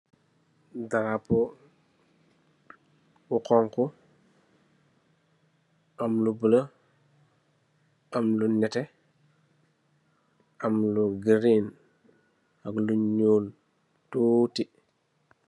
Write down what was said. Darapo bu xongo, am lo bule am lo nete am lo wert ak lo nuul toti.